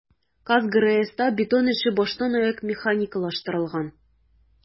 "казгрэс"та бетон эше баштанаяк механикалаштырылган.